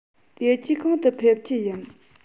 དེ རྗེས གང དུ ཕེབས རྒྱུ ཡིན